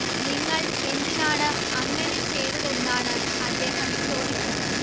നിങ്ങൾ എന്തിനാണ് അങ്ങനെ ചെയ്തതെന്നാണ് അദ്ദേഹം ചോദിച്ചത്